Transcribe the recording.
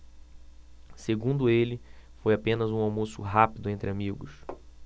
segundo ele foi apenas um almoço rápido entre amigos